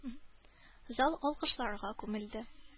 Зал алкышларга күмелде.